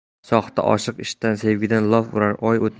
soxta oshiq ishq sevgidan lof urar